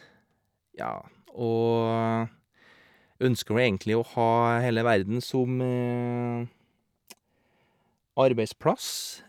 Ja, og ønsker jo egentlig å ha hele verden som arbeidsplass.